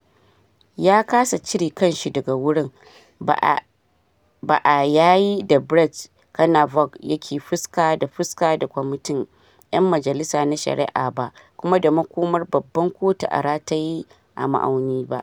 Ya kasa cire kanshi daga wurin, ba a yayi da Brett Kavanaugh yake fuska da fuska da Kwamitin ‘Yan Majalisa na shari’a ba kuma da makomar Babban Kotu a rataye a ma’auni ba.